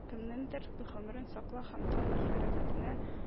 Кемнеңдер гомерен саклау һәм донор хәрәкәтенә